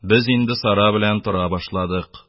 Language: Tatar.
Без инде Сара белән тора башладык.